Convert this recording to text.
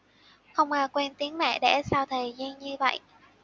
không ai quên tiếng mẹ đẻ sau thời gian như vậy